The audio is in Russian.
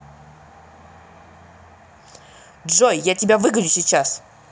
джой я тебя выгоню сейчас